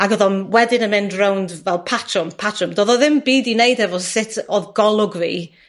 Ag odd o'n wedyn yn mynd rownd fel patrwm, patrwm. Do'dd o ddim byd i neud efo sut odd golwg fi.